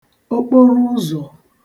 okporụụzọ̀